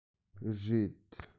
རེད